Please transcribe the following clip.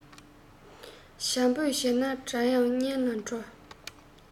བྱམས པོས བྱས ན དགྲ ཡང གཉེན ལ འགྲོ